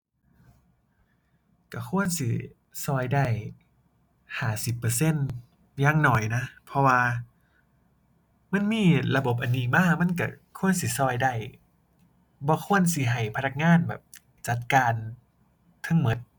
ก็ควรสิก็ได้ห้าสิบเปอร์เซ็นต์ อย่างน้อยนะ เพราะว่ามันมีระบบอันนี้มามันก็ควรสิก็ได้ บ่ควรสิให้พนักงานจัดการเทิงก็